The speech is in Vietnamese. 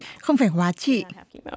không phải hóa trị